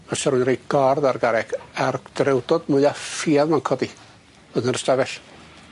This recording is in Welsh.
A gordd ar garreg a'r drewdod mwya ffia ma'n codi o'dd yn y stafell.